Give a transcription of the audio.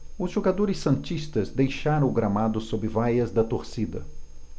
os jogadores santistas deixaram o gramado sob vaias da torcida